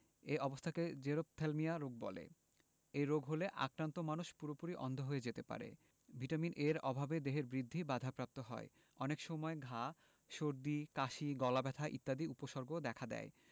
এ অবস্থাকে জেরপ্থ্যালমিয়া রোগ বলে এই রোগ হলে আক্রান্ত মানুষ পুরোপুরি অন্ধ হয়ে যেতে পারে ভিটামিন এ এর অভাবে দেহের বৃদ্ধি বাধাপ্রাপ্ত হয় অনেক সময় ঘা সর্দি কাশি গলাব্যথা ইত্যাদি উপসর্গও দেখা দেয়